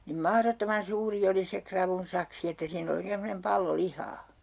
niin mahdottoman suuri oli se ravun saksi että siinä oli oikein semmoinen pallo lihaa